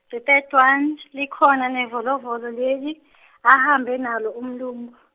the third one likhona nevolovolo leli, ahambe nalo umlungu.